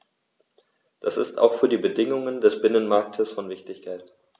Das ist auch für die Bedingungen des Binnenmarktes von Wichtigkeit.